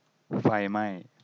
ไฟไหม้